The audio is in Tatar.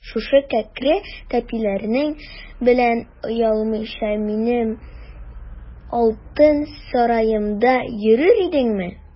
Шушы кәкре тәпиләрең белән оялмыйча минем алтын сараемда йөрер идеңме?